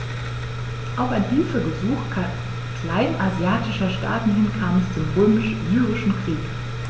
Auf ein Hilfegesuch kleinasiatischer Staaten hin kam es zum Römisch-Syrischen Krieg.